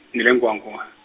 ni le Nkowankowa.